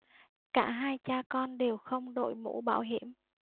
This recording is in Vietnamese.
cả hai cha con đều không đội mũ bảo hiểm